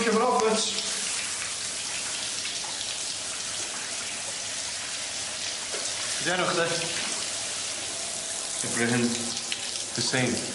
Ti efo Roberts? Be' 'di enw chdi? Ibrahim Hussain.